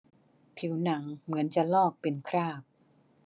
ผิวหนังเหมือนจะลอกเป็นคราบ